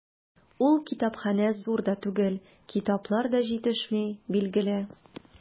Ул китапханә зур да түгел, китаплар да җитешми, билгеле.